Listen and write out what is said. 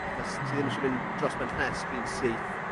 achos... Hmm. ... ti ddim isie mynd dros ben llestri'n syth.